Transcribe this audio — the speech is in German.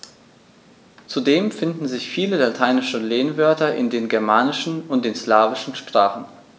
Zudem finden sich viele lateinische Lehnwörter in den germanischen und den slawischen Sprachen.